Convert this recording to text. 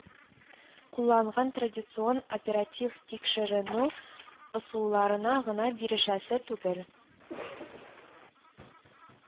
Кулланган традицион оператив тикшеренү ысулларына гына бирешәсе түгел